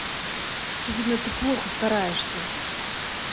очевидно ты плохо стараешься